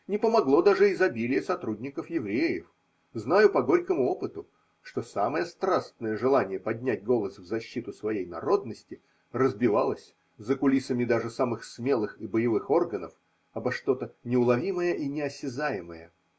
Не помогло даже изобилие сотрудников евреев: знаю по горькому опыту, что самое страстное желание поднять голос в защиту своей народности разбивалось, за кулисами даже самых смелых и боевых органов, обо что-то неуловимое и неосязаемое.